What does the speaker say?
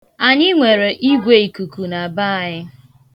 Anyị nwere igweikuku na be anyị.